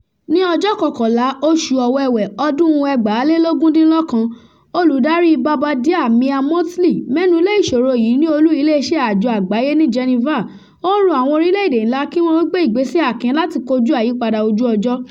Ní ọjọ́ 11, oṣù Ọ̀wẹwẹ̀, ọdún-un 2019, Olùdarí Barbadia Mia Mottley mẹ́nu lé ìṣòro yìí ní olú iléeṣẹ́ Àjọ Àgbáyé ní Geneva, ó ń rọ àwọn orílẹ̀-èdè ńlá kí wọn ó gbé ìgbésẹ̀ akin láti kọjúu àyípadà ojú-ọjọ́.